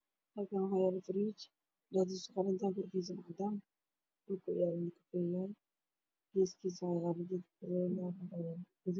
Halkan ayaa la fridge fridge midabkiisu waa haddaan meeshuu yaallana waa qaxwi